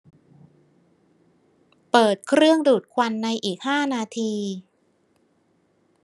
เปิดเครื่องดูดควันในอีกห้านาที